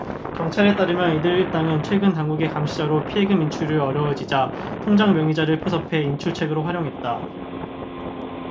경찰에 따르면 이들 일당은 최근 당국의 감시로 피해금 인출이 어려워지자 통장명의자를 포섭해 인출책으로 활용했다